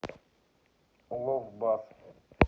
лов бас